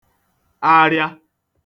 alia